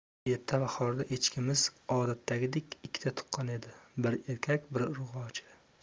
erta bahorda echkimiz odatdagidek ikkita tuqqan edi biri erkak biri urg'ochi